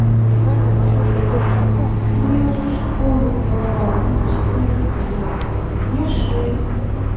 мне уже в школу пора а нам сколько лет мне шесть